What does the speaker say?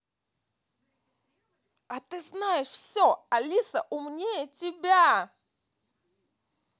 а ты знаешь все алиса умнее тебя